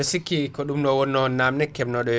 bed sikki ko ɗum vo wonno namde kebnoɗo